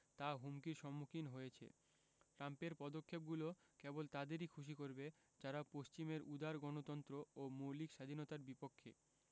তা হুমকির সম্মুখীন হয়েছে ট্রাম্পের পদক্ষেপগুলো কেবল তাদেরই খুশি করবে যারা পশ্চিমের উদার গণতন্ত্র ও মৌলিক স্বাধীনতার বিপক্ষে